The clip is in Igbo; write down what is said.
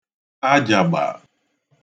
ajàgbà